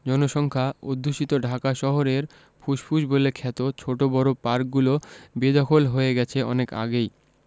জনসংখ্যা অধ্যুষিত ঢাকা শহরের ফুসফুস বলে খ্যাত ছোট বড় পার্কগুলো বেদখল হয়ে গেছে অনেক আগেই